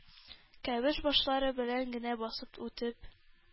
Кәвеш башлары белән генә басып үтеп,